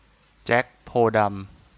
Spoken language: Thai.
แจ็คโพธิ์ดำ